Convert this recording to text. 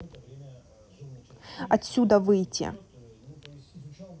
отсюда выйти